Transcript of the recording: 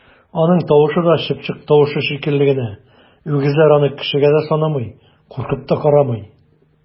Аның тавышы да чыпчык тавышы шикелле генә, үгезләр аны кешегә дә санамый, куркып та карамый!